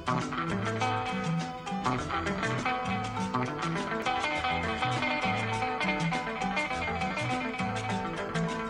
Maa